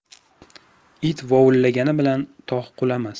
it vovullagani bilan tog' qulamas